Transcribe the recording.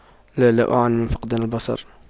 لا لا أعاني من فقدان البصر